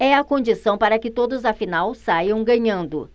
é a condição para que todos afinal saiam ganhando